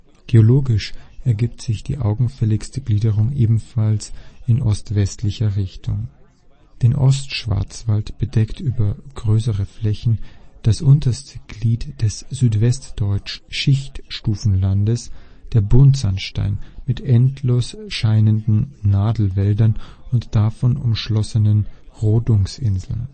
Geologisch ergibt sich die augenfälligste Gliederung ebenfalls in ostwestlicher Richtung. Den Ostschwarzwald bedeckt über größere Flächen das unterste Glied des Südwestdeutschen Schichtstufenlandes, der Buntsandstein, mit endlos scheinenden Nadelwäldern und davon umschlossenen Rodungsinseln